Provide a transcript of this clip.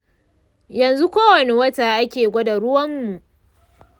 yanzu kowane wata ake gwada ruwanmu.